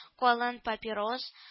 Калын папирос